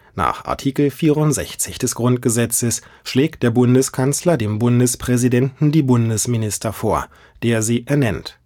Nach Artikel 64 des Grundgesetzes schlägt der Bundeskanzler dem Bundespräsidenten die Bundesminister vor, der sie ernennt